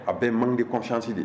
A bɛ man kɛ kɔfisi de